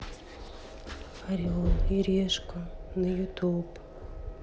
орел и решка на ютуб